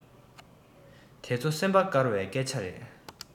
དེ ཚོ སེམས པ དཀར བའི སྐད ཆ རེད